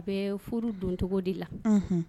A bɛ furu don cogodi la